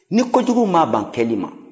n ko jugu ma ban koɲuman